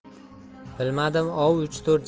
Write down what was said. bilmadim ov uch to'rt